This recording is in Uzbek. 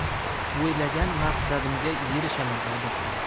o'ylagan maqsadimga erishaman albatta